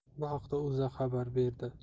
bu haqda o'za xabar berdi